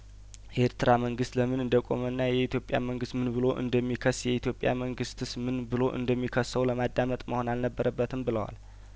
የኤርትራ መንግስት ለምን እንደቆመና የኢትዮጵያን መንግስት ምን ብሎ እንደሚከስ የኢትዮጵያ መንግስትስ ምን ብሎ እንደሚከሰው ለማዳመጥ መሆን አልነበረበትም ብለዋል